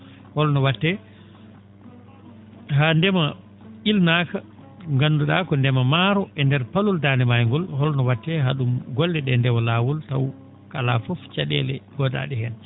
holno wa?tee haa ndema ilnaaka ngandu?aa ko ndema maaro e ndeer palol Daande Maayo ngol holno wa?tee haa ?um golle ?ee ndewa laawol taw alaa fof ca?eele ngoodaa?e heen